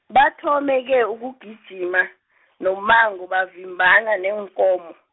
bathome ke ukugijima, nommango bavimbana neenkomo.